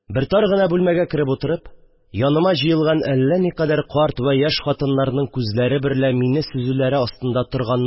Бер тар гына бүлмәгә кереп утырып, яныма җйелган әллә никадәр карт вә яшь хатыннарның күзләре берлә мине сөзүләре астында